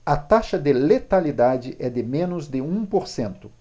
a taxa de letalidade é de menos de um por cento